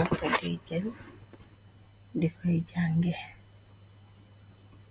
ampetijen di koy jange.